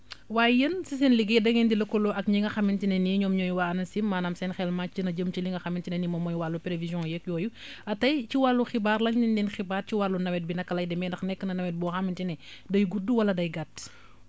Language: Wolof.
waaye yéen si seen liggéey da ngeen di lëkkaloo ak ñi nga xamante ne ni ñoom ñooy waa ANACIM maanaam seen xel màcc na jëm ci li nga xamante ne ni moom mooy wàllu prévision yeeg yooyu tay ci wàllu xibaar lan lañ leen xibaar ci wàllu nawet bi naka lay demee ndax nekk na nawet boo xamante ne day gudd wala day gàtt